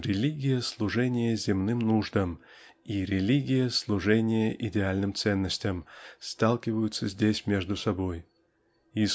Религия служения земным нуждам и религия служения идеальным ценностям сталкиваются здесь между собой и